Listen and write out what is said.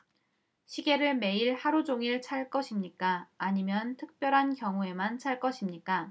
시계를 매일 하루 종일 찰 것입니까 아니면 특별한 경우에만 찰 것입니까